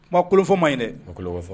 Kuma ma kolo fɔ ma ye o kolo fɔ